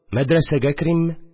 Мәдрәсәгә керимме